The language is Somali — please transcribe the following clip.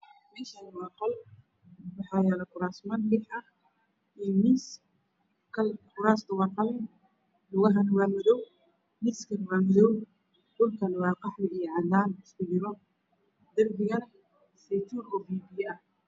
Meshani waa qol waxaa yala kurasman bir ah iyo miis kurastu waa qalin miskuna waa madoow dhukuna waa madow iyo qaxwi isku jira derbigana waa seytuun biba biya ah